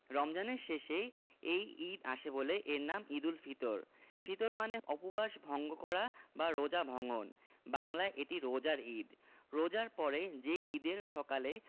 রমজানের রোজার শেষে এই ঈদ আসে বলে এর নাম ঈদুল ফিতর ফিতর মানে উপবাস ভঙ্গ করা বা রোজা ভঙ্গন বাংলায় এটি রোজার ঈদ রোজার পরে যে ঈদের সকালে